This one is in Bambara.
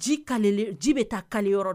Ji ji bɛ taa kan yɔrɔ